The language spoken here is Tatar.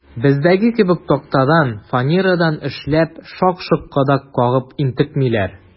Бездәге кебек тактадан, фанерадан эшләп, шак-шок кадак кагып интекмиләр.